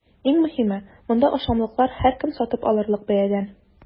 Иң мөһиме – монда ашамлыклар һәркем сатып алырлык бәядән!